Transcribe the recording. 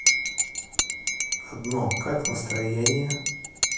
одно как настроение